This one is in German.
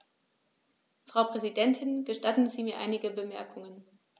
Frau Präsidentin, gestatten Sie mir einige Bemerkungen.